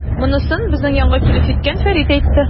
Монысын безнең янга килеп җиткән Фәрит әйтте.